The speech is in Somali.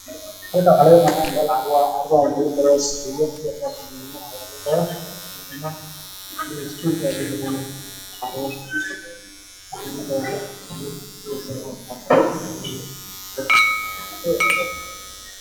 Waa carwo waxaa ii muuqda suudad cadaan ah